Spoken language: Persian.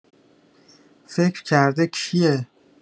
فکر کرده کیه؟